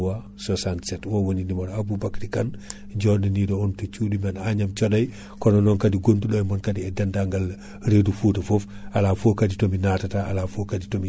traitement de semence suji goɗɗiɗi foof ko à de tiharme ɗiɗon renata tan ko awdidi ko nder leydi sodi yeehi haadi fuɗi tan rafiji kewɗi ne wawi hebde ɗum attaque kuji kewɗi ne wawi hebde ɗum